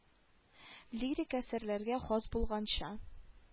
Лирик әсәрләргә хас булганча